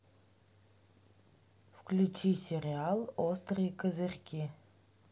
включи сериал острые козырьки